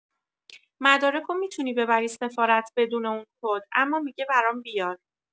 مدارکو می‌تونی ببری سفارت بدون اون کد اما می‌گه برام بیار